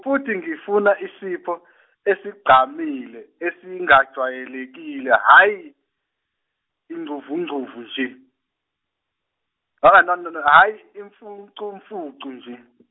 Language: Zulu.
futhi ngifuna isipho esigqamile esingajwayelekile hayi incuvuncuvu nje, hayi imfucumfucu nje.